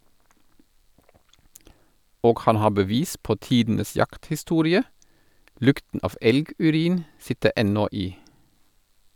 Og han har bevis på tidenes jakthistorie - lukten av elgurin sitter ennå i.